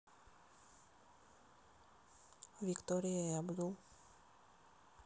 виктория и абдул